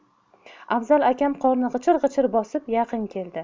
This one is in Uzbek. afzal akam qorni g'ijir g'ijir bosib yaqin keldi